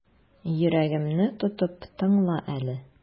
Йөрәгемне тотып тыңла әле.